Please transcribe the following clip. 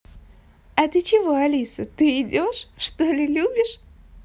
а ты чего алиса ты идешь что ли любишь